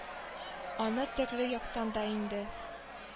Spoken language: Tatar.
Аны төрле яктан да инде